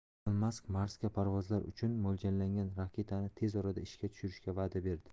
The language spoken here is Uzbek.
ilon mask marsga parvozlar uchun mo'ljallangan raketani tez orada ishga tushirishga va'da berdi